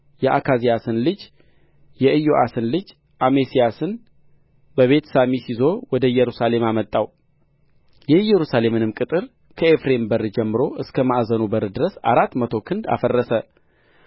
የአካዝያስን ልጅ የኢዮአስን ልጅ አሜስያስን በቤትሳሚስ ይዞ ወደ ኢየሩሳሌም አመጣው የኢየሩሳሌምንም ቅጥር ከኤፍሬም በር ጀምሮ እስከ ማዕዘኑ በር ድረስ አራት መቶ ክንድ አፈረሰ